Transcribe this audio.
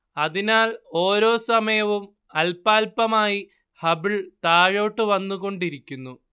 അതിനാൽ ഓരോ സമയവും അല്പാല്പമായി ഹബിൾ താഴോട്ടു വന്നുകൊണ്ടിരിക്കുന്നു